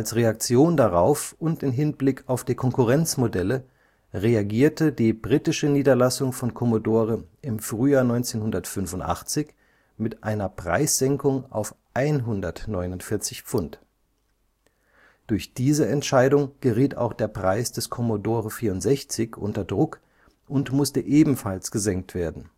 Reaktion darauf und in Hinblick auf die Konkurrenzmodelle reagierte die britische Niederlassung von Commodore im Frühjahr 1985 mit einer Preissenkung auf 149 £. Durch diese Entscheidung geriet auch der Preis des Commodore 64 unter Druck und musste ebenfalls gesenkt werden